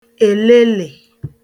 èlelị